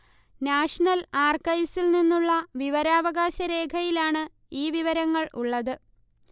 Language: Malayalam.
നാഷണൽ ആർക്കൈവ്സിൽ നിന്നുള്ള വിവരാവകാശ രേഖയിലാണ് ഈ വിവരങ്ങൾ ഉള്ളത്